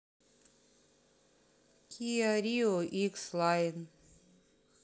киа рио икс лайн